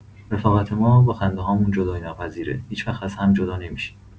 رفاقت ما با خنده‌هامون جدایی‌ناپذیره، هیچوقت از هم جدا نمی‌شیم.